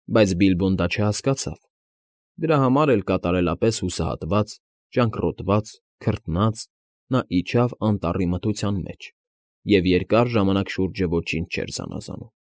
Բայց Բիլբոն դա չհասկացավ, դրա համար էլ, կատարելապես հուսահատված, ճանկռոտված, քրտնած, նա իջավ անտառի մթության մեջ և երկար ժամանակ շուրջը ոչինչ չէր զանազանում։